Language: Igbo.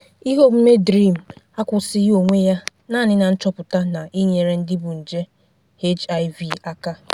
GV: Ihe omume DREAM akwụsịghị onwe ya naanị na nchọpụta na ịnyere ndị bu nje HIV aka.